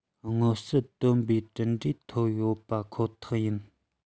མངོན གསལ དོད པའི གྲུབ འབྲས ཐོབ ཡོད པ ཁོ ཐག ཡིན